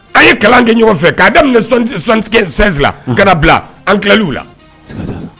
An ye kalan kɛ ɲɔgɔn fɛ k'a daminɛ kɛra bila an tilaliw la